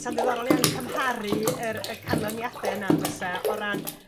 'sa'n ddiddorol iawn cymharu yr y canlyniade yna byse o ran